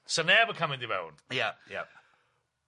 Sa neb yn ca'l mynd i fewn. Ia ia.